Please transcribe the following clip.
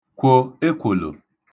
kwò ekwòlò